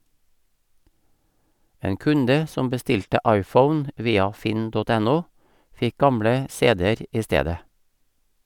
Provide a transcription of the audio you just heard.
En kunde som bestilte iphone via finn.no fikk gamle cd-er i stedet.